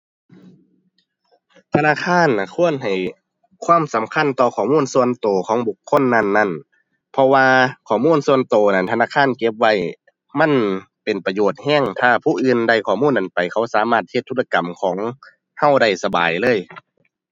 ธนาคารน่ะควรให้ความสำคัญต่อข้อมูลส่วนตัวของบุคคลนั้นนั้น เพราะว่าข้อมูลส่วนตัวนั้นธนาคารเก็บไว้ มันเป็นประโยชน์ตัว ถ้าผู้อื่นได้ข้อมูลนั้นไป เขาสามารถเฮ็ดธุรกรรมของตัวได้สบายเลย